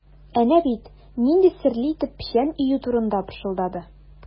Әнә бит нинди серле итеп печән өю турында пышылдады.